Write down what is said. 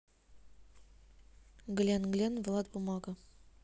глен глен влад бумага